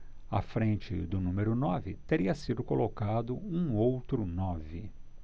à frente do número nove teria sido colocado um outro nove